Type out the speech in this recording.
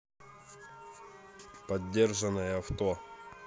подержанное авто